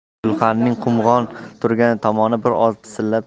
gulxanning qumg'on turgan tomoni bir oz pisillab